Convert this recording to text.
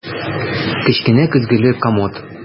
Кечкенә көзгеле комод.